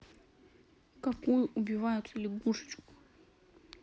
какую убиваются лягушечку